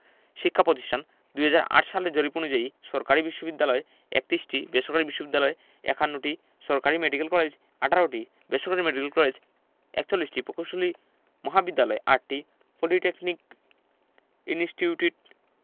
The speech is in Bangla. শিক্ষাপ্রতিষ্ঠানঃ ২০০৮ সালের জরিপ অনুযায়ী সরকারি বিশ্ববিদ্যালয় ৩১টি বেসরকারি বিশ্ববিদ্যালয় ৫১টি সরকারি মেডিকেল কলেজ ১৮টি বেসরকারি মেডিকেল কলেজ ৪১টি প্রকৌশল মহাবিদ্যালয় ৮টি পলিটেকনিক ইনিস্টিউটিট